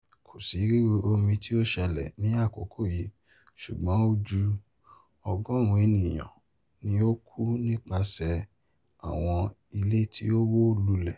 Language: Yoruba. Ko si riru omi ti o ṣẹlẹ ni akoko yii, ṣugbọn ju 100 eniyan ni o ku nipasẹ awọn ile ti o wo lulẹ.